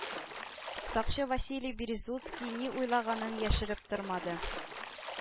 Сакчы василий березуцкий ни уйлаганын яшереп тормады.